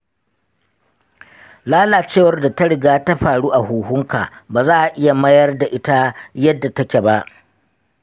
lalacewar da ta riga ta faru a huhunka ba za a iya mayar da ita yadda take ba.